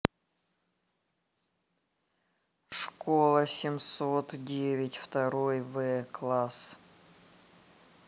школа семьсот девять второй в класс